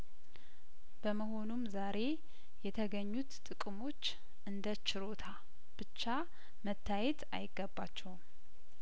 በመሆኑም ዛሬ የተገኙት ጥቅሞች እንደችሮታ ብቻ መታየት አይገባቸውም